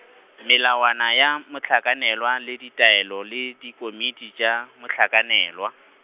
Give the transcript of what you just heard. melawana ya mohlakanelwa le ditaelo le dikomiti tša, mohlakanelwa.